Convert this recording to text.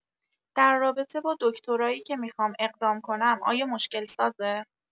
در رابطه با دکترایی که میخوام اقدام کنم آیا مشکل سازه؟